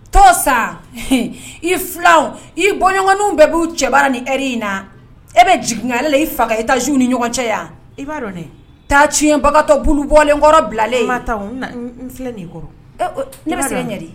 To san i filan i bɔɲɔgɔn bɛɛ b'u cɛba niri in na e bɛ jiginigka alela i faga i taa zu ni ɲɔgɔn cɛ yan'a taa tiɲɛbagatɔ bɔlenkɔrɔ bilalen taa